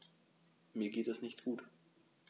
Mir geht es nicht gut.